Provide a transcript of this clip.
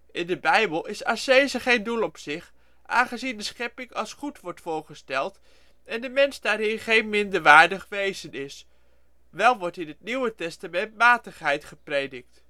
In de bijbel is ascese geen doel op zich, aangezien de schepping als goed wordt voorgesteld en de mens daarin geen minderwaardig wezen is. Wel wordt in het Nieuwe Testament matigheid gepredikt